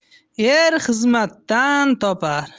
er xizmatdan topar